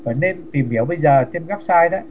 và nên tìm hiểu bây giờ trên oét sai đó